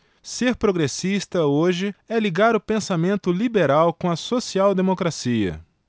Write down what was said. ser progressista hoje é ligar o pensamento liberal com a social democracia